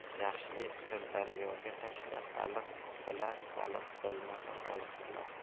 yaxshilik qil daryoga tashla baliq bilar baliq bilmasa xoliq bilar